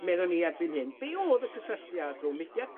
meddwn ni erbyn hyn, be' o'dd y cysylltiad rhwng mudiad